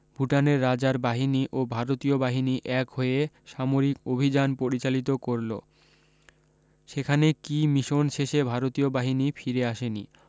ভুটানের রাজার বাহিনী ও ভারতীয় বাহিনী এক হয়ে সামরিক অভি্যান পরিচালিত করল সেখানে কী মিশন শেষে ভারতীয় বাহিনী ফিরে আসেনি